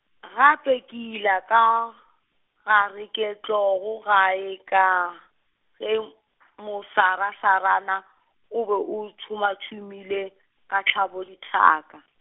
gape ke ile ka, gare ke tlogo gae ka, ge m- , mosarasarana, o be o tshomatshomile, ka hlabo dithaka.